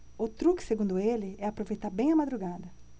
o truque segundo ele é aproveitar bem a madrugada